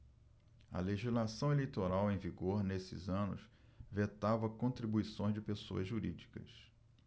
a legislação eleitoral em vigor nesses anos vetava contribuições de pessoas jurídicas